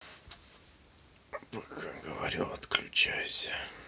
пока говорю отключайся